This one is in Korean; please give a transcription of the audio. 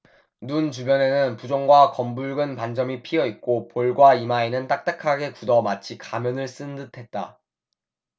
눈 주변에는 부종과 검붉은 반점이 피어 있고 볼과 이마는 딱딱하게 굳어 마치 가면을 쓴 듯했다